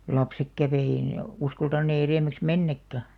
ja lapset kävi ei ne uskaltaneet edemmäksi mennäkään